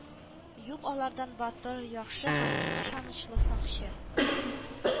Юк алардан батыр, яхшы һәм иң ышанычлы сакчы